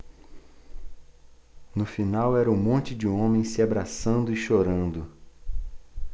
no final era um monte de homens se abraçando e chorando